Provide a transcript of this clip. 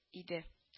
Иде